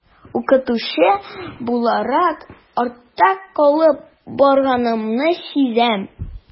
Укытучы буларак артта калып барганымны сизәм.